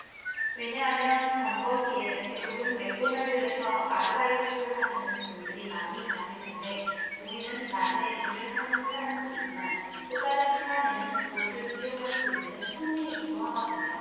왜냐하면 점거 시에 대부분 맥도날드에서 아르바이트하시는 분들이 많이 가실 텐데 우리는 낮에 일을 하는 사람이지만 또 다른 시간에는 그곳을 이용할 수 있는 손님이기도 하거든요